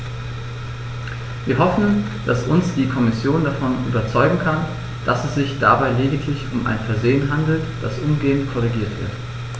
Wir hoffen, dass uns die Kommission davon überzeugen kann, dass es sich dabei lediglich um ein Versehen handelt, das umgehend korrigiert wird.